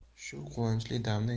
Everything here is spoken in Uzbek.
shu quvonchli damni